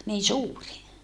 niin suuri